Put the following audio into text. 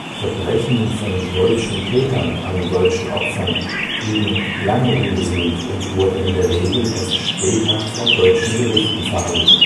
Verbrechen von deutschen Tätern an deutschen Opfern blieben lange ungesühnt und wurden in der Regel erst später vor deutschen Gerichten verhandelt